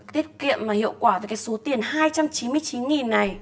tiết kiệm và hiệu quả với số tiền hai trăm chín mươi chín nghìn này